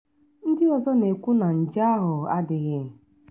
Ndị ọzọ na-ekwu na nje ahụ adịghị.